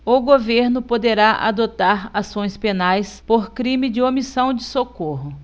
o governo poderá adotar ações penais por crime de omissão de socorro